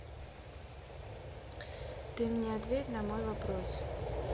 ты мне ответь на мой вопрос